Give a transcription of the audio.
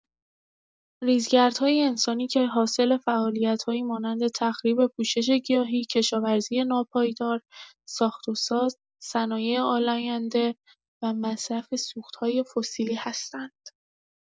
ریزگردهای انسانی که حاصل فعالیت‌هایی مانند تخریب پوشش گیاهی، کشاورزی ناپایدار، ساخت‌وساز، صنایع آلاینده و مصرف سوخت‌های فسیلی هستند.